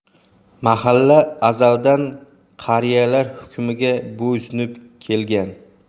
mahalla azaldan qariyalar hukmiga bo'ysunib kelgan